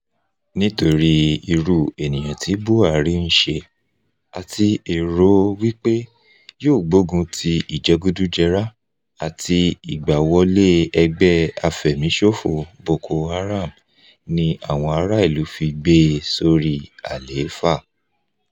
Nítorí irú ènìyàn tí Buhari ń ṣe àti èrò wípé yóò gbógun ti ìjẹgúdújẹrá àti ìgbáwọlẹ̀ ẹgbẹ́ afẹ̀míṣòfò Boko Haram ni àwọn ará ìlú fi gbé e sórí àlééfà.